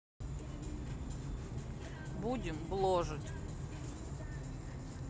будем бложить